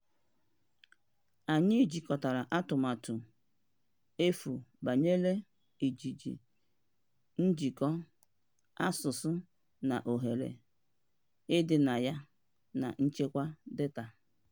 Anyị jikọtara Atụmatụ Efu banyere ojiji, njikọ, asụsụ, na ohere, ọdịnaya, na nchekwa data.